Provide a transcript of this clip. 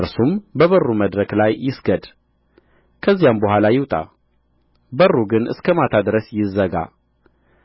እርሱም በበሩ መድረክ ላይ ይስገድ ከዚያም በኋላ ይውጣ በሩ ግን እስከ ማታ ድረስ አይዘጋ